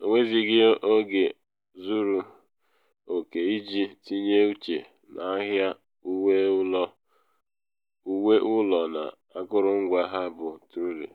nweghịzị oge zuru oke iji tinye uche na ahịa uwe ụlọ na akụrụngwa ha bụ Truly.